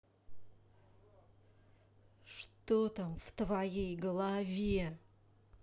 что там в твоей голове